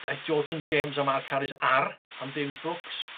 Daeth Jordan James a Mark Harris ar am David Brooks.